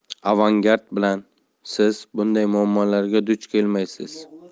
avangard bilan siz bunday muammolarga duch kelmaysiz